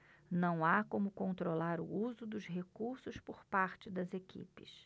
não há como controlar o uso dos recursos por parte das equipes